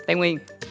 tây nguyên